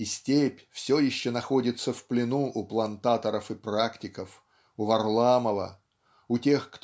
- и степь все еще находится в плену у плантаторов и практиков у Варламова у тех